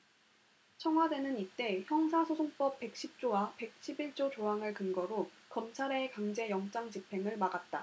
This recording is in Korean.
청와대는 이때 형사소송법 백 십 조와 백 십 일 조 조항을 근거로 검찰의 강제 영장집행을 막았다